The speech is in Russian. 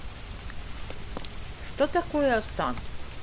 что такое оса